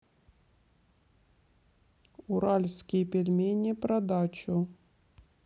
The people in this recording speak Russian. уральские пельмени про дачу